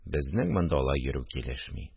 Безнең монда алай йөрү килешми